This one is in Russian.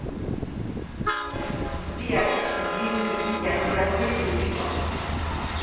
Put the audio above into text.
сбер извини я тебя выключила